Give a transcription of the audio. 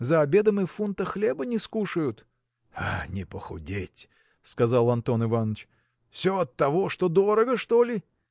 за обедом и фунта хлеба не скушают. – Не похудеть! – сказал Антон Иваныч. – Все оттого, что дорого, что ли?